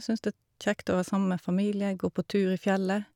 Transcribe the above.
Syns det er kjekt å være sammen med familie, gå på tur i fjellet.